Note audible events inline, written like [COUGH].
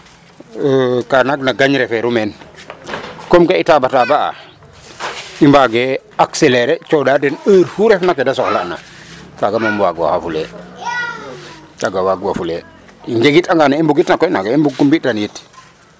[HESITATION] Ka nangna gañ rek refeeru meen comme ga i tabataba'aa [NOISE] i mbagee accelerer coɗaa den heure fu refna ke da soxla'na kaaga moom waagooxafulee [CROSSTALK] kaaga waagwafulee i njegitanga ne i mbugitna koy naaga i mbuk o mbi'tanit.